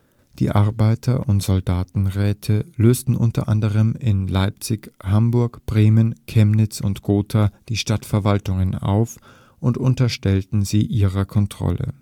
Die Arbeiter - und Soldatenräte lösten u. a. in Leipzig, Hamburg, Bremen, Chemnitz und Gotha die Stadtverwaltungen auf und unterstellten sie ihrer Kontrolle